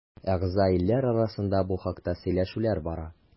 Әгъза илләр арасында бу хакта сөйләшүләр бара.